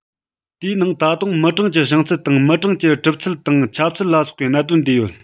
དེའི ནང ད དུང མི གྲངས ཀྱི བྱང ཚད དང མི གྲངས ཀྱི གྲུབ ཚུལ དང ཁྱབ ཚུལ ལ སོགས པའི གནད དོན འདུས ཡོད